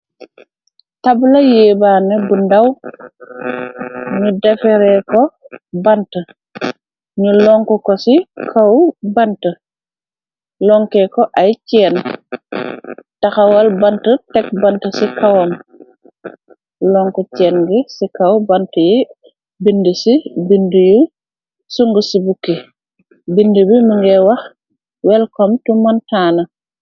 Tabla yée baane bu ndaw, ñu defere ko bant, nu lonk ko ci kaw bant, lonke ko ay cenn, taxawal bant tek bant ci kawam. Lonk cenn gi ci kaw bant yi, bind ci bind yu sungu ci bukki, bind bi mu ngey wax welkom tu montaana.